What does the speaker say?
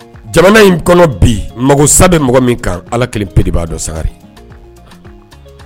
Jamana in kɔnɔ bi magosa bɛ mɔgɔ min kan ala kelen peereba dɔ sari